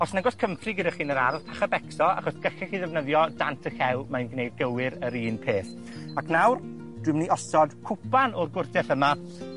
Os nag o's Comefry gyda chi yn yr ardd pach a becso, achos gellech chi ddefnyddio Dant y Llew, mae'n gwneud gywir yr un peth. Ac nawr dwi myn' i osod cwpan o'r cwrteth yma